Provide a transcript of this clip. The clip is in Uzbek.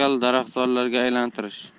daraxtzorlar ga aylantirish